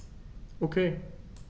Okay.